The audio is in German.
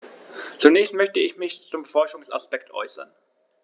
Zunächst möchte ich mich zum Forschungsaspekt äußern.